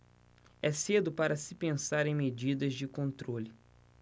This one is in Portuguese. é cedo para se pensar em medidas de controle